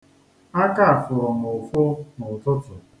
Aka a fụrụ m ụfụ n'ụtụtụ.